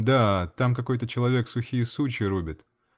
-- Да. там какой-то человек сухие сучья рубит.